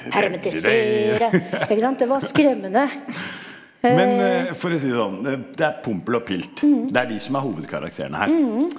men for å si det sånn, det er Pompel og Pilt, det er de som er hovedkarakterene her.